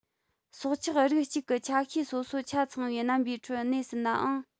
སྲོག ཆགས རིགས གཅིག གི ཆ ཤས སོ སོ ཆ ཚང བའི རྣམ པའི ཁྲོད གནས སྲིད ནའང